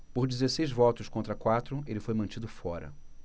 por dezesseis votos contra quatro ele foi mantido fora